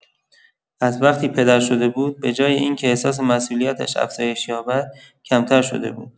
از وقتی پدر شده بود، به‌جای این‌که احساس مسئولیتش افزایش یابد، کمتر شده بود.